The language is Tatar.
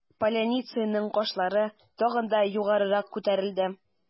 Поляницаның кашлары тагы да югарырак күтәрелде.